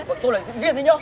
bọn tôi là diễn viên đấy nhớ